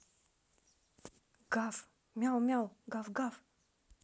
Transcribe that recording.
гав мяу мяу гав гав